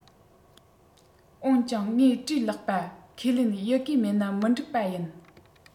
འོན ཀྱང ངས བྲིས ལེགས པ ཁས ལེན ཡི གེ མེད ན མི འགྲིག པ ཡིན